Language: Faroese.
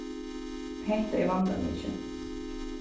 hetta er vandamikið